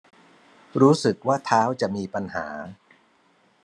รู้สึกว่าเท้าจะมีปัญหา